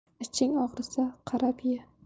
iching og'risa qarab ye